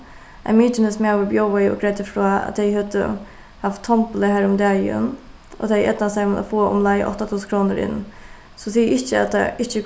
ein mykinesmaður bjóðaði og greiddi frá at tey høvdu havt tombola har um dagin og tað hevði eydnast teimum at fáa umleið átta túsund krónur inn so sig ikki at tað ikki